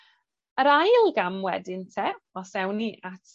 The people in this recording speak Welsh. Yr ail gam wedyn 'te, os ewn ni at